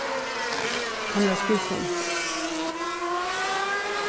hann er á skrivstovuni